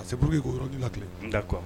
A se puru yɔrɔjla kelen da kuwa